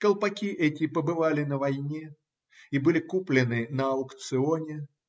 Колпаки эти побывали на войне и были куплены на аукционе.